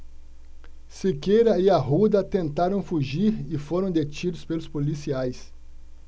siqueira e arruda tentaram fugir e foram detidos pelos policiais